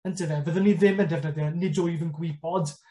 Yndyfe? Fyddwn ni ddim yn defnyddio nid wyf yn gwybod